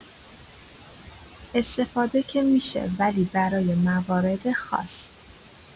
استفاده که می‌شه ولی برای موارد خاص